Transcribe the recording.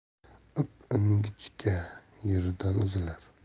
ip ingichka yeridan uzilar